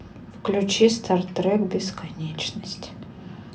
включи стар трек бесконечность